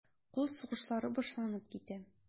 Кул сугышлары башланып китә.